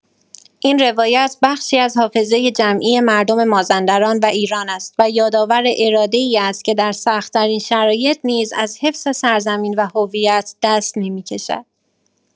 این روایت بخشی از حافظه جمعی مردم مازندران و ایران است و یادآور اراده‌ای است که در سخت‌ترین شرایط نیز از حفظ سرزمین و هویت دست نمی‌کشد.